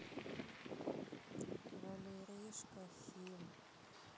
валеришка хим